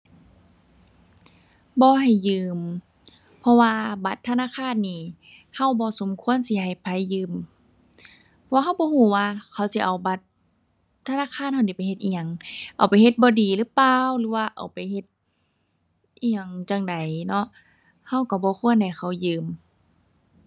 บ่ให้ยืม เพราะว่าบัตรธนาคารนี่เราบ่สมควรสิให้ไผยืม ว่าเราบ่เราว่าเขาสิเอาบัตรธนาคารเรานี่ไปเฮ็ดอิหยัง เอาไปเฮ็ดบ่ดีหรือเปล่า หรือว่าเอาไปเฮ็ดอิหยังจั่งใดเนาะ เราเราบ่ควรให้เขายืม ⁠